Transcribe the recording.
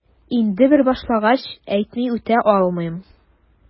Инде бер башлангач, әйтми үтә алмыйм...